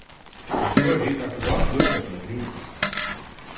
men so eru tit akkurát líka sum øll hini